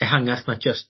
ehangach na jyst